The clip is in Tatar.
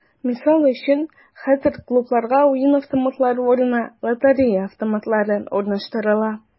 Мисал өчен, хәзер клубларга уен автоматлары урынына “лотерея автоматлары” урнаштырыла.